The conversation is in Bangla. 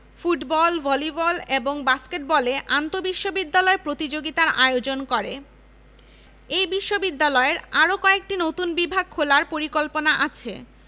ফুটবল ভলিবল এবং বাস্কেটবলে আন্তঃবিশ্ববিদ্যালয় প্রতিযোগিতার আয়োজন করে এই বিশ্ববিদ্যালয়ের আরও কয়েকটি নতুন বিভাগ খোলার পরিকল্পনা আছে